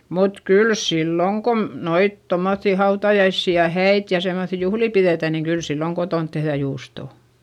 mutta kyllä silloin kun noita tuommoisia hautajaisia ja häitä ja semmoisia juhlia pidetään niin kyllä silloin kotona tehdään juustoa